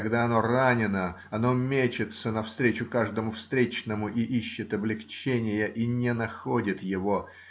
Когда оно ранено, оно мечется навстречу каждому встречному и ищет облегчения. И не находит его.